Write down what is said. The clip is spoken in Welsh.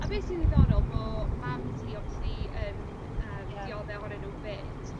a beth sy ddiddorol bo' mam ti obviously yn yym... Ie. ...diodde ohonyn n'w 'fyd